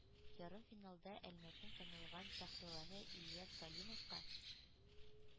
Ярымфиналда әлмәтнең танылган пәһлеваны ильяс галимовка